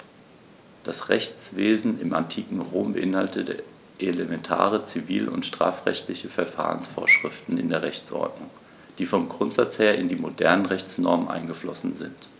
Das Rechtswesen im antiken Rom beinhaltete elementare zivil- und strafrechtliche Verfahrensvorschriften in der Rechtsordnung, die vom Grundsatz her in die modernen Rechtsnormen eingeflossen sind.